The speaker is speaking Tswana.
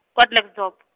kwa Klerksdorp.